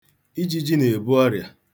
Ijiji na-ebu ọrịa.